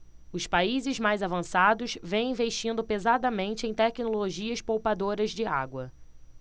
os países mais avançados vêm investindo pesadamente em tecnologias poupadoras de água